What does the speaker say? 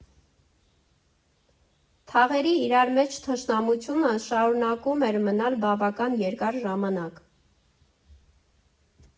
Թաղերի՝ իրար մեջ թշնամությունը շարունակում էր մնալ բավական երկար ժամանակ։